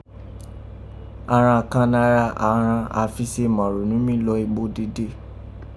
àghan kàn nára àghan afìsemàrònọ́ mi lọ ibo dede.